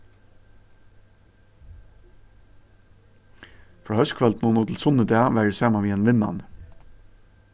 frá hóskvøldinum og til sunnudag var eg saman við einum vinmanni